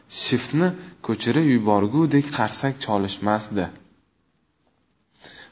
shiftni ko'chirib yuborgudek qarsak chalishmasdi